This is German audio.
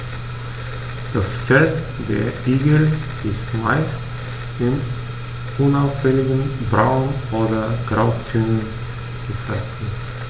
Das Fell der Igel ist meist in unauffälligen Braun- oder Grautönen gehalten.